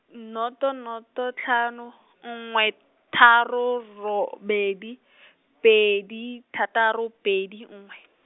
nnoto nnoto tlhano, nngwe, tharo robedi , pedi thataro pedi nngwe.